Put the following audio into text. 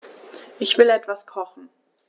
Ich will etwas kochen.